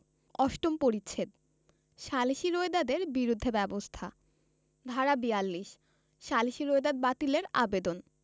অষ্টম পরিচ্ছেদ সালিসী রোয়েদাদের বিরুদ্ধে ব্যবস্থা ধারা ৪২ সালিসী রোয়েদাদ বাতিলের আবেদন